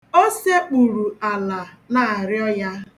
O sekpuru ala na-arịọ ya.